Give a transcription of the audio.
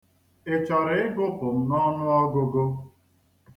Ị chọrọ ịgụpụ m n'ọnụọgụgụ?